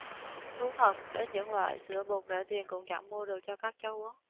thú thật đến những loại sữa bột rẻ tiền cũng chẳng mua được cho các cháu uống